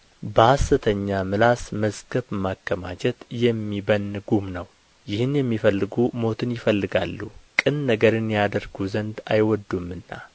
በሐሰተኛ ምላስ መዝገብ ማከማቸት የሚበንን ጉም ነው ይህን የሚፈልጉ ሞትን ይፈልጋሉ ቅን ነገርን ያደርጉ ዘንድ አይወድዱምና